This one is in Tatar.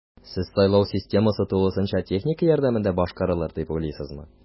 Сез сайлау системасы тулысынча техника ярдәмендә башкарарылыр дип уйлыйсызмы?